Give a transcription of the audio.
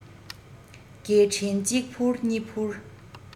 སྐད འཕྲིན གཅིག ཕུར གཉིས ཕུར